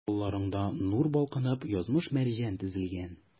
Алларыңда, нур балкытып, язмыш-мәрҗән тезелгән.